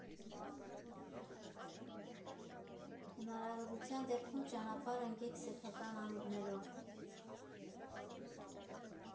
Հնարավորության դեպքում ճանապարհ ընկեք սեփական անիվներով։